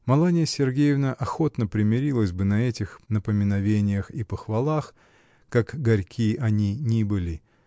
Маланья Сергеевна охотно помирилась бы на этих напоминовениях и похвалах, как горьки они ни были.